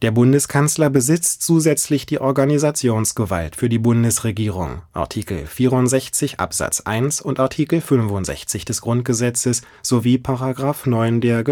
Bundeskanzler besitzt zusätzlich die Organisationsgewalt für die Bundesregierung (Artikel 64 Absatz 1 und Artikel 65 des Grundgesetzes sowie § 9 der